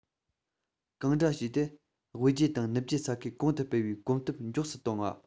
གང འདྲ བྱས ཏེ དབུས རྒྱུད དང ནུབ རྒྱུད ས ཁུལ གོང དུ སྤེལ བའི གོམ སྟབས མགྱོགས སུ བཏང བ